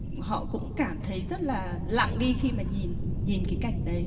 họ cũng cảm thấy rất là lặng đi khi mà nhìn nhìn cái cảnh đấy